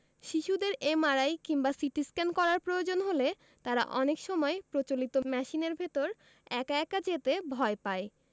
শিশুদের এমআরআই কিংবা সিটিস্ক্যান করার প্রয়োজন হলে তারা অনেক সময় প্রচলিত মেশিনের ভেতর একা একা যেতে ভয় পায়